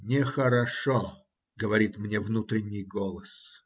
"Нехорошо", - говорит мне внутренний голос.